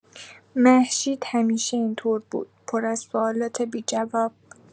مهشید همیشه این‌طور بود، پر از سوالات بی‌جواب.